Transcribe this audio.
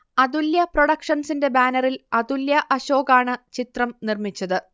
അതുല്യ പ്രൊഡക്ഷൻസിന്റെ ബാനറിൽ അതുല്യ അശോകാണ് ചിത്രം നിർമ്മിച്ചത്